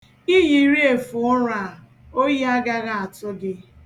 I yiri efe ụra a oyi agaghị atụ gị.